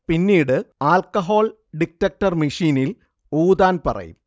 പിന്നീട് alcohol detector മെഷീനിൽ ഊതാൻ പറയും